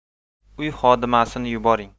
uy xodimasini yuboring